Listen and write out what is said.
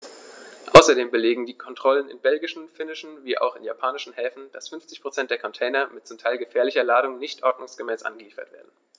Außerdem belegen Kontrollen in belgischen, finnischen wie auch in japanischen Häfen, dass 50 % der Container mit zum Teil gefährlicher Ladung nicht ordnungsgemäß angeliefert werden.